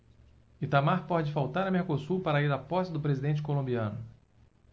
itamar pode faltar a mercosul para ir à posse do presidente colombiano